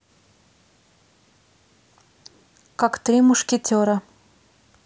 как три мушкетера